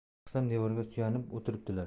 chiqsam devorga suyanib o'tiribdilar